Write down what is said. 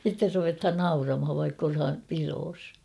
sitten ruvetaan nauramaan vaikka ollaan pidossa